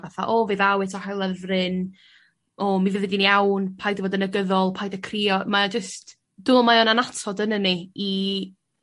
fatha o fe ddaw eto hael ar fryn o mi fyddi di'n iawn paid a fod yn negyddol paid a crio ma' e jyst dw mae o'n annatod ynyn ni i